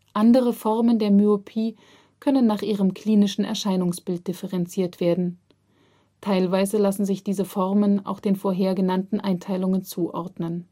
Andere Formen der Myopie können nach ihrem klinischen Erscheinungsbild differenziert werden: Teilweise lassen sich diese Formen auch den vorhergenannten Einteilungen zuordnen